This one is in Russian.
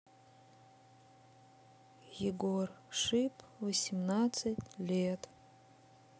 егор шип восемнадцать лет